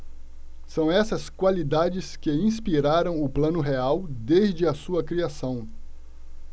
são essas qualidades que inspiraram o plano real desde a sua criação